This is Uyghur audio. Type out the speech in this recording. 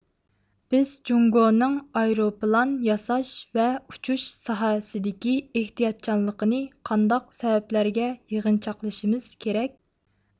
بىز جوڭگونىڭ ئايروپىلان ياساش ۋە ئۇچۇش ساھەسىدىكى ئېھتىياتچانلىقىنى قانداق سەۋەبلەرگە يىغىنچاقلىشىمىز كېرەك